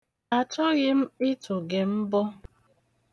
Achọghị m ịtụ gị mbọ.